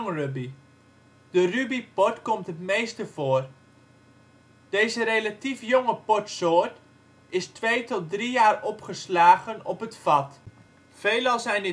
Ruby De Ruby port komt het meeste voor. Deze relatief jonge portsoort is twee tot drie jaar opgeslagen op het vat. Veelal zijn